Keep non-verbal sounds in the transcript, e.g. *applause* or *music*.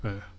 *hesitation* *hesitation*